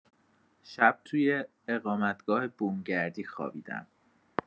شب تو یه اقامتگاه بوم‌گردی خوابیدم.